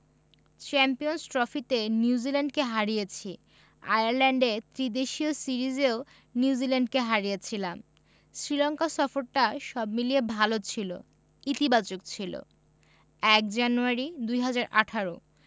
champions ট্রফিতে নিউজিল্যান্ডকে হারিয়েছি আয়ারল্যান্ডে ত্রিদেশীয় সিরিজেও নিউজিল্যান্ডকে হারিয়েছিলাম শ্রীলঙ্কা সফরটা সব মিলিয়ে ভালো ছিল ইতিবাচক ছিল ০১ জানুয়ারি ২০১৮